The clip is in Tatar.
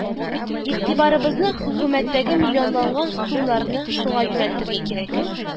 Игътибарыбызны, хөкүмәттәге миллионлаган сумнарны шуңа юнәлтергә кирәк